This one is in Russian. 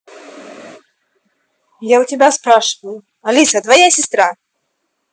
я у тебя спрашиваю алиса твоя сестра